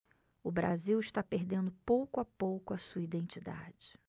o brasil está perdendo pouco a pouco a sua identidade